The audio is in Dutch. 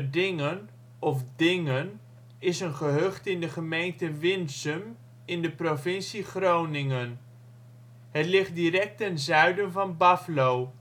Dingen of Dingen is een gehucht in de gemeente Winsum in de provincie Groningen. Het ligt direct ten zuiden van Baflo